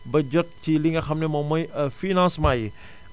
ba jot ci li nga xam ne moom mooy financement yi